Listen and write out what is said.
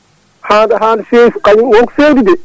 haade hande peese kañum wonko peesi de